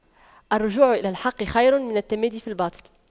الرجوع إلى الحق خير من التمادي في الباطل